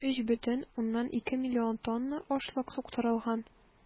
3,2 млн тонна ашлык суктырылган.